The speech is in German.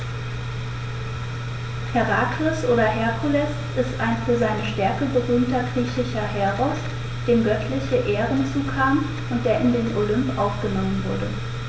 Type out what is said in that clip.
Herakles oder Herkules ist ein für seine Stärke berühmter griechischer Heros, dem göttliche Ehren zukamen und der in den Olymp aufgenommen wurde.